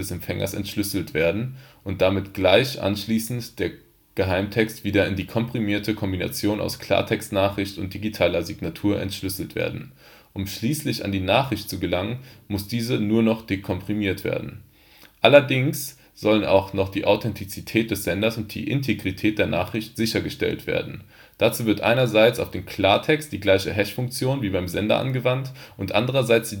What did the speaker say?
Empfängers entschlüsselt werden und damit gleich anschließend der Geheimtext wieder in die komprimierte Kombination aus Klartextnachricht und digitaler Signatur entschlüsselt werden. Um schließlich an die Nachricht zu gelangen, muss diese nur noch dekomprimiert werden. Allerdings sollen auch noch die Authentizität des Senders und die Integrität der Nachricht sichergestellt werden. Dazu wird einerseits auf den Klartext die gleiche Hash-Funktion wie beim Sender angewandt, und andererseits